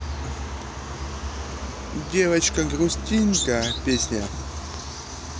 девочка грустинка песня